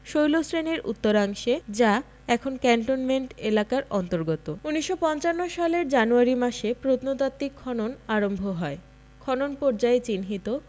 শৈলশ্রেণির উত্তরাংশে যা এখন ক্যান্টনমেন্ট এলাকার অন্তর্গত ১৯৫৫ সালের জানুয়ারি মাসে প্রত্নতাত্ত্বিক খনন আরম্ভ হয় খনন পর্যায়ে চিহ্নিত